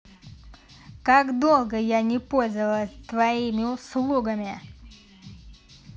как долго я не пользовалась твоими услугами